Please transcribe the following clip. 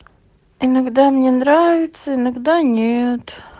иногда мне нравится иногда нет